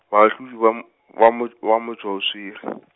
baahlodi ba m-, ba mo-, ba motšwaoswere.